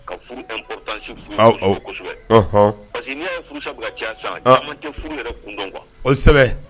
Kosɛbɛ